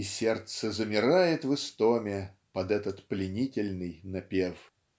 и сердце замирает в истоме под этот пленительный напев.